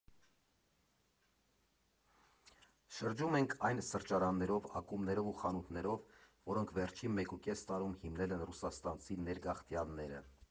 Շրջում ենք այն սրճարաններով, ակումբներով ու խանութներով, որոնք վերջին մեկուկես տարում հիմնել են ռուսաստանցի ներգաղթյալները։